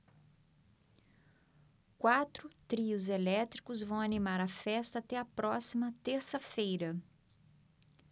quatro trios elétricos vão animar a festa até a próxima terça-feira